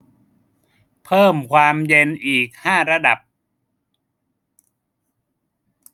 เพิ่มความเย็นอีกห้าระดับ